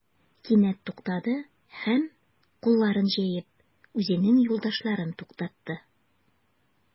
Кинәт туктады һәм, кулларын җәеп, үзенең юлдашларын туктатты.